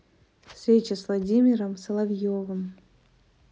встреча с владимиром соловьевым